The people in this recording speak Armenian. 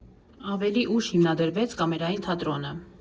Ավելի ուշ հիմնադրվեց Կամերային թատրոնը։